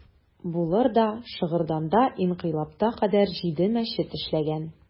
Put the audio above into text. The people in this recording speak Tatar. Булыр да, Шыгырданда инкыйлабка кадәр җиде мәчет эшләгән.